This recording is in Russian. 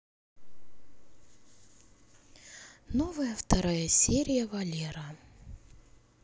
новая вторая серия валера